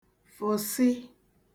fụ̀sị